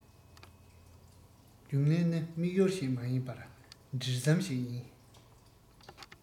རྒྱུགས ལེན ནི དམིགས ཡུལ ཞིག མ ཡིན པར འབྲེལ ཟམ ཞིག ཡིན